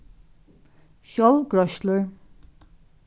sjálvgreiðslur